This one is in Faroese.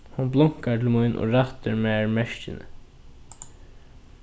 hon blunkar til mín og rættir mær merkini